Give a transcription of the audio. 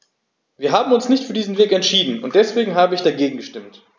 Wir haben uns nicht für diesen Weg entschieden, und deswegen habe ich dagegen gestimmt.